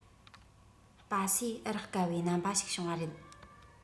སྤ སེ རག དཀའ བའི རྣམ པ ཞིག བྱུང བ རེད